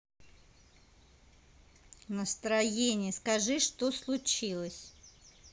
настроение скажи что случилось